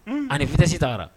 Hun! A ni vitesse tara